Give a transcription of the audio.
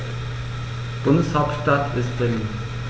Bundeshauptstadt ist Berlin.